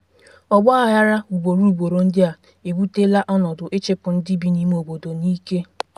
Ọgba aghara ugboro ugboro ndị a ebutela ọnọdụ ịchịpụ ndị bi n'ime obodo n'ike.